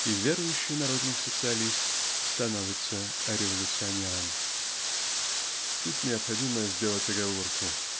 и верующий народник-социалист становится революционером. Тут необходимо сделать оговорку.